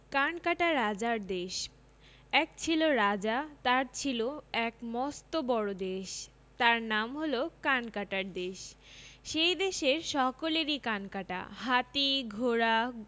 কানকাটা রাজার দেশ এক ছিল রাজা আর তার ছিল এক মস্ত বড়ো দেশ তার নাম হল কানকাটার দেশ সেই দেশের সকলেরই কান কাটা হাতি ঘোড়া